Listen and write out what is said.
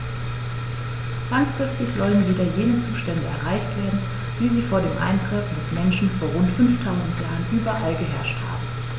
Langfristig sollen wieder jene Zustände erreicht werden, wie sie vor dem Eintreffen des Menschen vor rund 5000 Jahren überall geherrscht haben.